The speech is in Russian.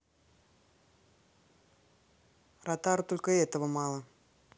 ротару только этого мало